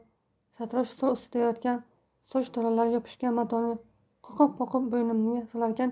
sartarosh stol ustida yotgan soch tolalari yopishgan matoni qoqib qoqib bo'ynimga solarkan